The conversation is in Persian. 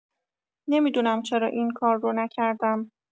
نمی‌دونم چرا این کار رو نکردم.